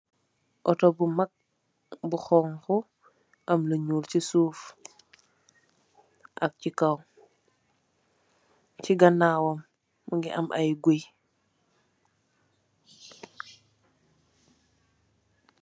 Auto bu mak, bu xonxu, am lu ñuul chi suuf, ak chi kaw, chi ganaawam, mungi am aye guy.